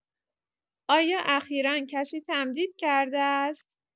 آیا اخیرا کسی تمدید کرده است؟